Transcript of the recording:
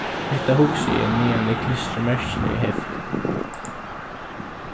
hetta hugsi eg meðan eg klistri merkini í heftið